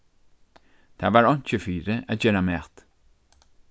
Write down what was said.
tað var einki fyri at gera mat